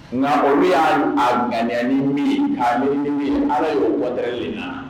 Nka olu y'a a ŋani bi ani ni ala y'o kɔnɛ le na